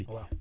waaw